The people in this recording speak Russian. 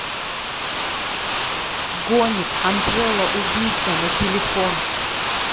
гонит анжела убийца на телефон